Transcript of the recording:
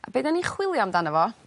a be' 'dan ni'n chwilio amdano fo